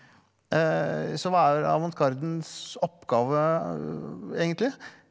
så hva er avantgardens oppgave egentlig?